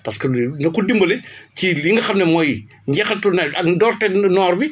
parce que loolu dina ko dimbale ci li nga xam ne mooy njeexitalu nawet ak ndorteel noor wi